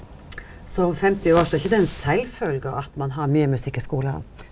så om 50 år så er ikkje det ein sjølvfølge at ein har mykje musikk i skulane?